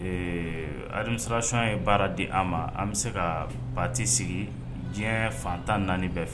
Ee alimisasiɔn ye baara di an ma an bɛ se ka pati sigi diɲɛ fantan naani bɛɛ fɛ